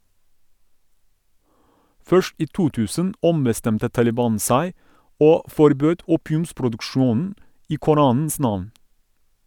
Først i 2000 ombestemte Taliban seg, og forbød opiumsproduksjonen i koranens navn.